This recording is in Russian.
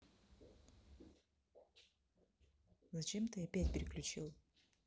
зачем ты опять переключил